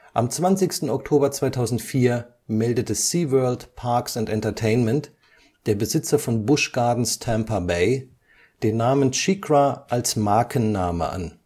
Am 20. Oktober 2004 meldete SeaWorld Parks & Entertainment, der Besitzer von Busch Gardens Tampa Bay, den Namen SheiKra als Markenname an